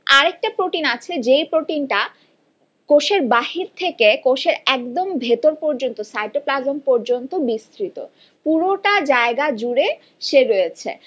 আরেকটা প্রোটিন আছে যে প্রোটিন টা কোষের বাহির থেকে একদম ভেতর পর্যন্ত সাইটোপ্লাজম পর্যন্ত বিস্তৃত পুরোটা জায়গা জুড়ে সে রয়েছে